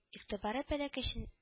Игътибары бәләкәчен